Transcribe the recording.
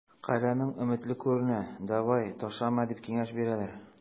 Каләмең өметле күренә, давай, ташлама, дип киңәш бирәләр.